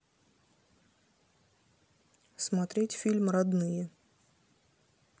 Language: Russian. смотреть фильм родные